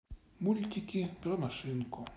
мультики про машинку